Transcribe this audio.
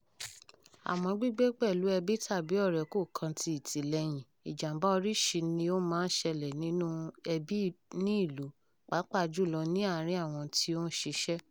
Àmọ́ gbígbé pẹ̀lú ẹbí tàbí ọ̀rẹ́ kò kan ti ìtìlẹyìn. Ìjàmbá oríṣi ni ó máa ń ṣẹlẹ̀ nínú ẹbí ní ìlú, pàápàá jù lọ ní àárín àwọn tí ó ń ṣiṣẹ́.